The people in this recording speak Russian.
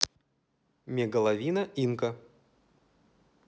megalovania инка